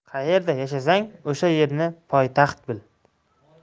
qayerda yashasang o'sha yerni poytaxt bil